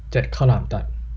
เจ็ดข้าวหลามตัด